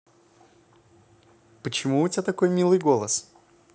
почему у тебя такой милый голос